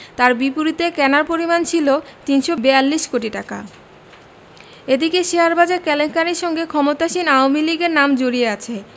তার বিপরীতে কেনার পরিমাণ ছিল ৩৪২ কোটি টাকা এদিকে শেয়ারবাজার কেলেঙ্কারির সঙ্গে ক্ষমতাসীন আওয়ামী লীগের নাম জড়িয়ে আছে